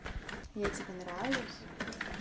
я тебе нравлюсь